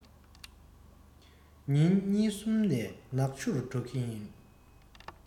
ཉིན གཉིས གསུམ ནས ནག ཆུར འགྲོ གི ཡིན